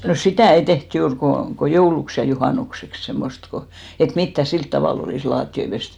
no sitä ei tehty juuri kuin kuin jouluksi ja juhannukseksi semmoista kun että mitään sillä tavalla olisi lattioita pesty